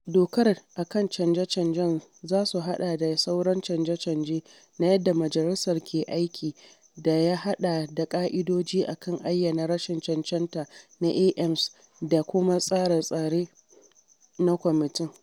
Dokar a kan canje-canjen za su haɗa da sauran canje-canje na yadda majalisar ke aiki, da ya haɗa da ƙa’idoji a kan ayyana rashin cancanta na AMs da kuma tsara tsari na kwamitin.